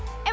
ủng